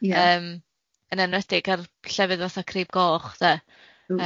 Yym, yn enwedig ar llefydd fatha Crib Goch 'de.